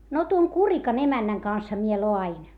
no tuon Kurikan emännän kanssahan minä laadin